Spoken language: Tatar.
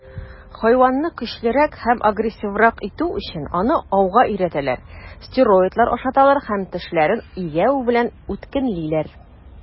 Хайванны көчлерәк һәм агрессиврак итү өчен, аны ауга өйрәтәләр, стероидлар ашаталар һәм тешләрен игәү белән үткенлиләр.